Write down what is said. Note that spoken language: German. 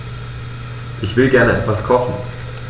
Ich will gerne etwas kochen.